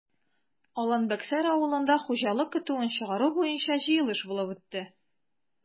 Алан-Бәксәр авылында хуҗалык көтүен чыгару буенча җыелыш булып үтте.